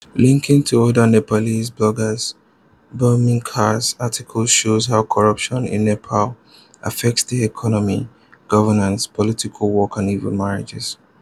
Linking to other Nepalese bloggers, Bhumika's article shows how corruption in Nepal affects the economy, governance, public works, and even marriage.